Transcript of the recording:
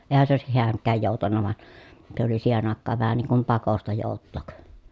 eihän se olisi hänkään joutanut vaan se oli siihen aikaan vähän niin kuin pakosta joutaa